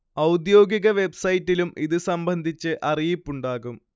ഔദ്യോഗിക വെബ്സൈറ്റിലും ഇതുസംബന്ധിച്ച് അറിയിപ്പുണ്ടാകും